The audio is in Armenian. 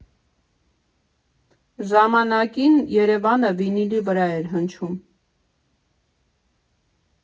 Ժամանակին Երևանը վինիլի վրա էր հնչում։